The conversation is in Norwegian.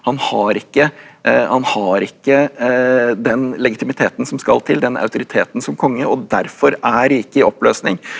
han har ikke han har ikke den legitimiteten som skal til den autoriteten som konge og derfor er riket i oppløsning.